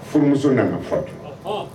Furumuso nana fatu